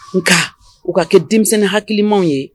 Nka u ka kɛ denmisɛn hakililimaw ye